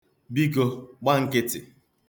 Biko, gba nkịtị!